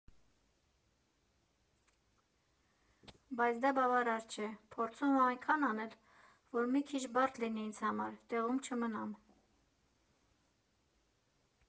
Բայց դա բավարար չէ, փորձում եմ այնքան անել, որ մի քիչ բարդ լինի ինձ համար, տեղում չմնամ։